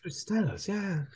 Crystals yeah.